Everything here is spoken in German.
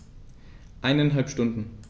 Eineinhalb Stunden